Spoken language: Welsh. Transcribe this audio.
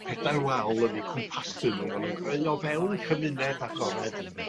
pedair wal yn eu cwmpasu n'w ma' nw'n greu o fewn cymuned agored ynde.